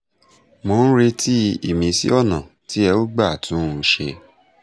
Mo ń retí ìmísí ọ̀nà tí ẹ ó gbà tún un ṣe.